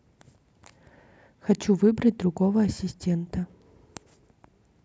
хочу выбрать другого ассистента